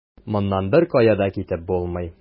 Моннан беркая да китеп булмый.